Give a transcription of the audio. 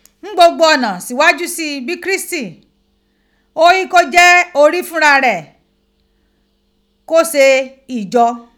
N gbogbo ona sighaju si bi Kirisiti, oghi ko je ori funra re, ko se ijo.